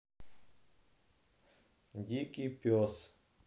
дикий пес